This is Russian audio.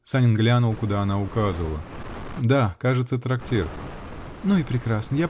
Санин глянул, куда она указывала. -- Да, кажется, трактир. -- Ну и прекрасно.